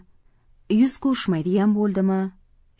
yuz ko'rishmaydigan bo'ldimi